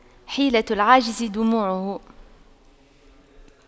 حيلة العاجز دموعه